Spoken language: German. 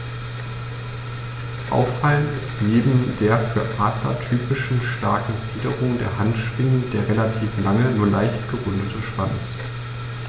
Auffallend ist neben der für Adler typischen starken Fingerung der Handschwingen der relativ lange, nur leicht gerundete Schwanz.